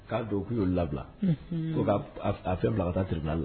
K'a don k' y'olu labila, unhun, ko ka a fɛn bila ka taa tribunal la